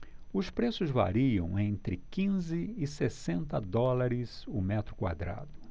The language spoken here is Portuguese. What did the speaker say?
os preços variam entre quinze e sessenta dólares o metro quadrado